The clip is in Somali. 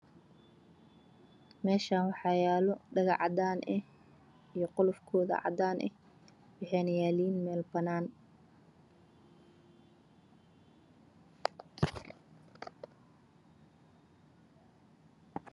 Meshaan waxaa yaalo dhago cadaan ah io qolofkooda oo cadaan ah waxayna yaalaan meel banan ah